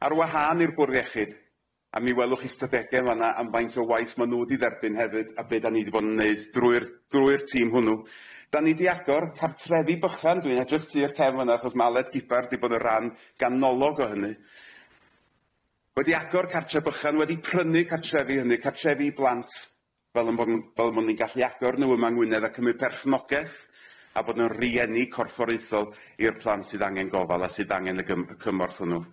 Ar wahân i'r Bwr Iechyd, a mi welwch i stadege fana am faint o waith ma' nw wedi dderbyn hefyd a be' da ni di bo'n neud drwy'r drwy'r tîm hwnnw, 'da ni 'di agor cartrefi bychan, dwi'n edrych tua'r cefn fan'na achos ma' Aled Gibbard 'di bod yn ran ganolog o hynny, wedi agor cartre bychan, wedi prynu cartrefi hynny, cartrefi i blant fel yn bo' n- fel 'yn bo nw'n gallu agor nw yma yng Ngwynedd a cymyd perchnogaeth a bod 'na rieni corfforaethol i'r plant sydd angen gofal a sydd angen y gym- y cymorth hwnnw.